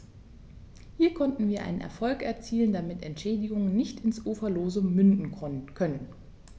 Hier konnten wir einen Erfolg erzielen, damit Entschädigungen nicht ins Uferlose münden können.